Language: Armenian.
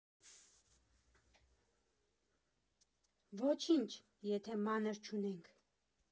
Ոչինչ, եթե մանր չունենք։